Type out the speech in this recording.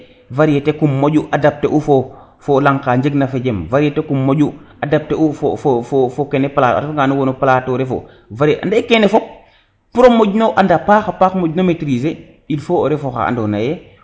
varietée kum moƴu adapter u fo lang ka njeg na fojem varieté kum adapté u fo fo kene kene a refa nga no plateau refo ande kene fop pour o moƴ na anda a paxa paax moƴ no maitriser `il faut o refo xa ando naye